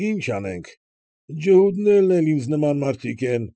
Ի՞նչ անենք, ջհուդներն էլ ինձ նման մարդիկ են։